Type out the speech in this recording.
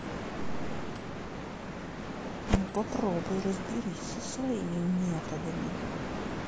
ну попробуй разберись своими методами